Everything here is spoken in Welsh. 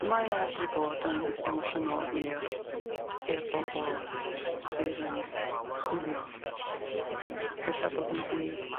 Mae o medru bod yn emosiynol i'r i'r bobol sydd yn chwilio e'lla' bod n'w 'di